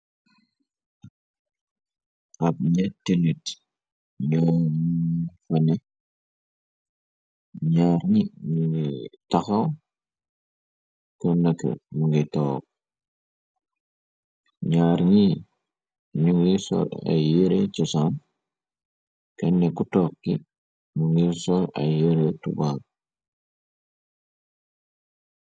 Ab nyetti nit yoo fane nyaar ni ñu ngay taxaw ko nake mu ngay tok nyaar ni ñu ngay sol ay yere chosaan kenne ku tokki mu ngir sol ay yëre tubaag.